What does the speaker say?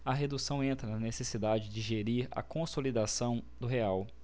a redução entra na necessidade de gerir a consolidação do real